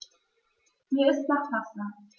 Mir ist nach Pasta.